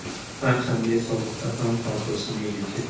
har qanday sovuqda ham paltosini yechib